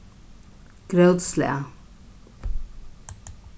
grótslag